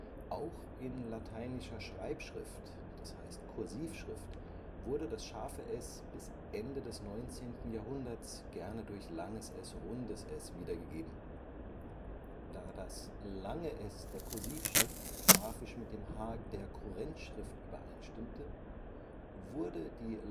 Auch in lateinischer Schreibschrift (Kursivschrift) wurde ß bis Ende des 19. Jahrhunderts gerne durch ſs wiedergegeben. Da das Lang-ſ der Kursivschrift grafisch mit dem h der Kurrentschrift übereinstimmte, wurde die